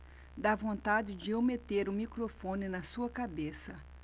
dá vontade de eu meter o microfone na sua cabeça